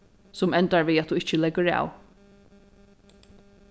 sum endar við at tú ikki leggur av